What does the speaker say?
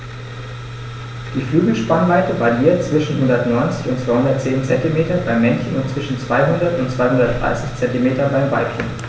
Die Flügelspannweite variiert zwischen 190 und 210 cm beim Männchen und zwischen 200 und 230 cm beim Weibchen.